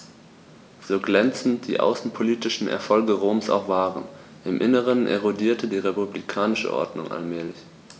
So glänzend die außenpolitischen Erfolge Roms auch waren: Im Inneren erodierte die republikanische Ordnung allmählich.